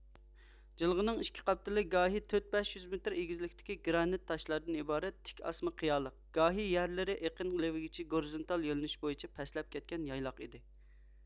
جىلغىنىڭ ئىككى قاپتىلى گاھى تۆت بەش يۈز مېتىر ئېگىزلىكتىكى گرانت تاشلاردىن ئىبارەت تىك ئاسما قىيالىق گاھى يەرلىرى ئېقىن لېۋىگىچە گورزۇنتال يۆنىلىش بويىچە پەسلەپ كەتكەن يايلاق ئىدى